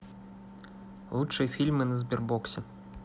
лучшие фильмы на сбербоксе